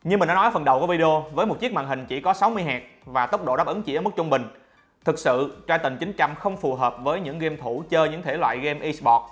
như mình nói ở phần đầu video với một chiếc màn hình chỉ hz và tốc độ đáp ứng chỉ ở mức trung bình thực sự triton không phù hợp với những game thủ chơi những thể thoại game esport